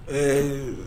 Ɛɛ